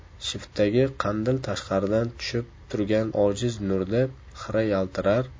shiftdagi qandil tashqaridan tushib turgan ojiz nurda xira yaltirar